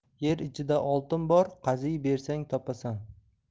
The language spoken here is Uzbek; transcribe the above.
yer ichida oltin bor qaziy bersang topasan